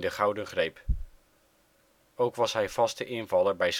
Gouden Greep. Ook was hij vaste invaller bij